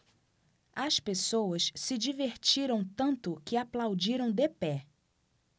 as pessoas se divertiram tanto que aplaudiram de pé